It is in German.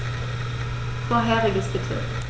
Vorheriges bitte.